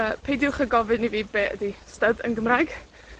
Yy, peidiwch â gofyn i fi be' ydi styd yn Gymraeg.